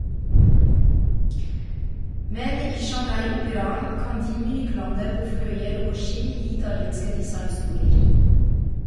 Men i Shanghai-operaen kan de myklande på fløyel og skinn i italienske designstoler.